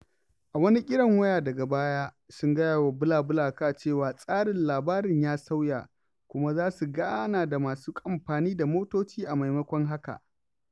A wani kiran waya daga baya, sun gaya wa BlaBlaCar cewa tsarin labarin ya sauya kuma za su gana ne da masu amfani da motoci a maimakon haka.